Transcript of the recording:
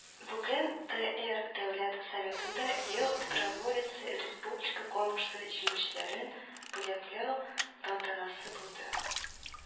Бүген ТР Дәүләт Советында “Ел доброволецы” республика конкурсы җиңүчеләрен бүләкләү тантанасы булды